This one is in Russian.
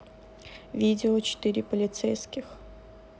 видео четыре полицейских